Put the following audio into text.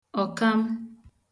ọ̀kam